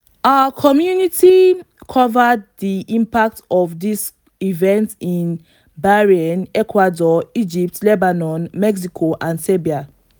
Our community covered the impact of these events in Bahrain, Ecuador, Egypt, Lebanon, Mexico and Serbia.